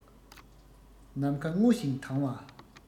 ནམ མཁའ སྔོ ཞིང དྭངས ལ